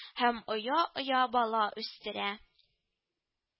Һәм оя-оя бала үстерә